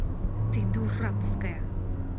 ты дурацкая